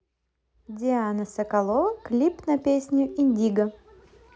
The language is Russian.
диана соколова клип на песню индиго